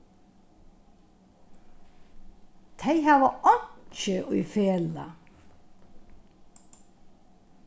tey hava einki í felag